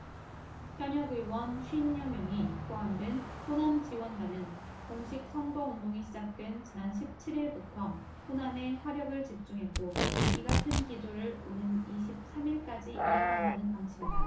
현역의원 쉰 여명이 포함된 호남지원단은 공식선거운동이 시작된 지난 십 칠 일부터 호남에 화력을 집중했고 이같은 기조를 오는 이십 삼 일까지 이어간다는 방침이다